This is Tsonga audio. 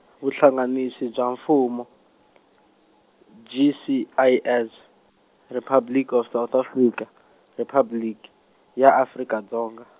Vuhlanganisi bya Mfumo, G C I S, Republic of South Africa, Riphabliki, ya Afrika Dzonga.